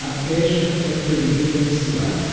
a pesca é proibida nesse lago